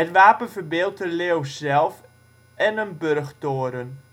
wapen verbeeldt de leeuw zelf en een burchttoren